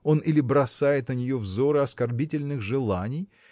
Он или бросает на нее взоры оскорбительных желаний